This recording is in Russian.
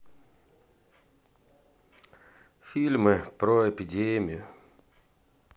фильмы про эпидемию